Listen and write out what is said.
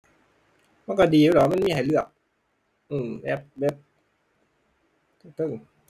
มันก็ดีอยู่หรอกมันมีให้เลือก อือ แอป เว็บ